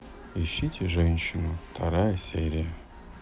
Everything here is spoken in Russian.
ищите женщину вторая серия